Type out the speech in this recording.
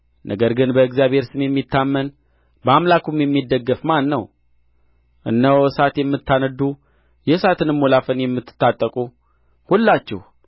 ነገር ግን በእግዚአብሔር ስም የሚታመን በአምላኩም የሚደገፍ ማን ነው እነሆ እሳት የምታነድዱ የእሳትንም ወላፈን የምትታጠቁ ሁላችሁ